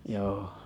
joo